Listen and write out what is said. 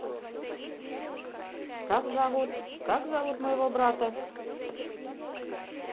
как зовут как зовут моего брата